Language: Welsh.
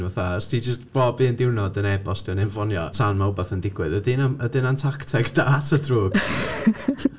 Fatha os ti jyst, bob un diwrnod yn e-bostio neu'n ffonio tan ma' wbath yn digwydd. Ydy hyn- ydy hynna'n tacteg da ta drwg?